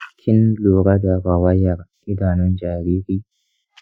kin lura da rawayar idanun jariri?